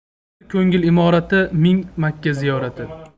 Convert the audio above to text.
bir ko'ngil imorati ming makka ziyorati